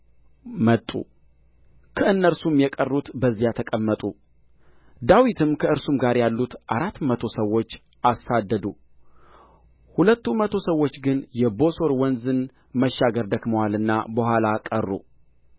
መጡ ከእነርሱም የቀሩት በዚያ ተቀመጡ ዳዊትም ከእርሱም ጋር ያሉት አራት መቶ ሰዎች አሳደዱ ሁለቱ መቶ ሰዎች ግን የቦሦር ወንዝን መሻገር ደክመዋልና በኋላ ቀሩ